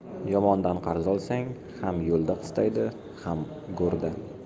yomondan qarz olsang ham yo'lda qistaydi ham go'rda